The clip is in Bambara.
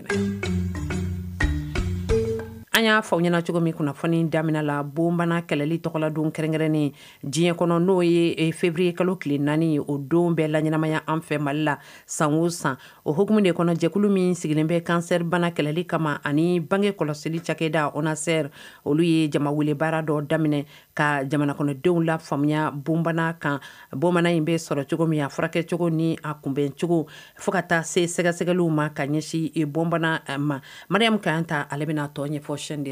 An y'a fɔ ɲɛna cogo min kunnafoni daminɛ bon kɛlɛli tɔgɔla don kɛrɛnnen diɲɛ kɔnɔ n'o ye efeb kalo tile naani o don bɛɛ la ɲɛnamaya an fɛ mali la san san o hkumu de kɔnɔ jɛkulu min sigilen bɛ kansɛbana kɛlɛli kama ani bange kɔlɔsili ca da osɛ olu ye jamaele baara dɔ daminɛ ka jamana kɔnɔdenw la fa faamuyaya bonbana kan bamanan in bɛ sɔrɔ cogo min a furakɛ cogo ni a kunbɛncogo fo ka taa se sɛgɛsɛgɛli ma ka ɲɛsin bɔn ma mara in ka kan ta ale bɛna tɔn ɲɛfɔc de ye